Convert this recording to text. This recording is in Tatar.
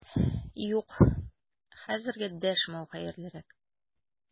Юк, хәзергә дәшмәү хәерлерәк!